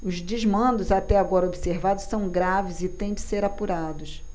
os desmandos até agora observados são graves e têm de ser apurados